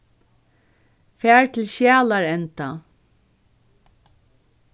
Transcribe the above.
far til skjalarenda